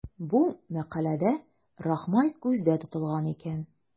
Бу мәкаләдә Рахмай күздә тотылган икән.